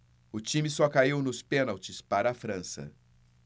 o time só caiu nos pênaltis para a frança